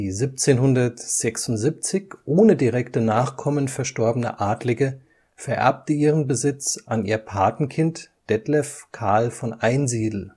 1776 ohne direkte Nachkommen verstorbene Adlige vererbte ihren Besitz an ihr Patenkind Detlev Carl von Einsiedel